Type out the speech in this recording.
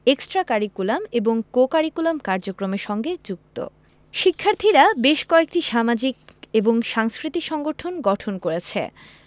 extra curriculum এবং co curriculum কার্যক্রমরে সঙ্গে যুক্ত শিক্ষার্থীরা বেশ কয়েকটি সামাজিক এবং সাংস্কৃতিক সংগঠন গঠন করেছে